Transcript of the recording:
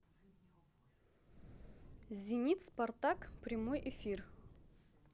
зенит спартак прямой эфир